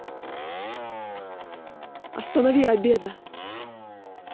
останови обеда